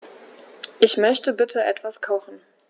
Ich möchte bitte etwas kochen.